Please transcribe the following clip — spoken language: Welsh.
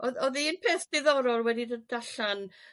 O'dd o'dd un peth diddorol wedi dod allan